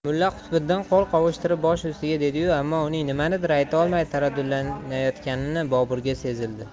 mulla qutbiddin qo'l qovushtirib bosh ustiga dedi yu ammo uning nimanidir aytolmay taraddudlanayotgani boburga sezildi